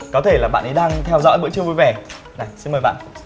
có thể là bạn ấy đang theo dõi bữa trưa vui vẻ nào xin mời bạn